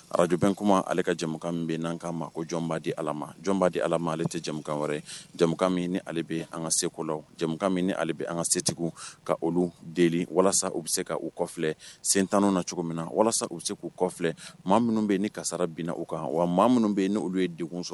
Arajbe kuma ale ka jamu min bɛ'an ka ma ko jɔn'a di ala ma jɔn'a di ala ma aleale tɛ jamukan wɛrɛ jamu min ni ale bɛ an ka se kɔ jamukan min ale bɛ an ka setigiw ka olu deli walasa u bɛ se ka uu kɔlɛ sen tan na cogo min na walasa u se k'u kɔfilɛ mɔgɔ minnu bɛ yen ni kasara binina u kan wa maa minnu bɛ yen ni olu ye denw sɔrɔ